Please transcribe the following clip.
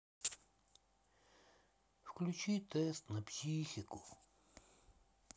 включи тест на психику